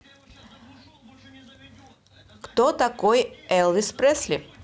кто такой элвис пресли